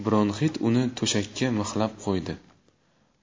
bronxit uni to'shakka mixlab qo'ydi